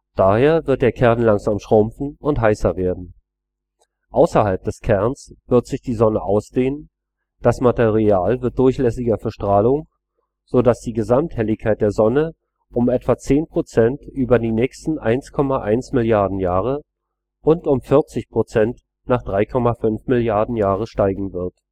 Daher wird der Kern langsam schrumpfen und heißer werden. Außerhalb des Kerns wird sich die Sonne ausdehnen, das Material wird durchlässiger für Strahlung, sodass die Gesamthelligkeit der Sonne etwa um 10 % über die nächsten 1,1 Milliarden Jahre und um 40 % nach 3,5 Milliarden Jahren steigen wird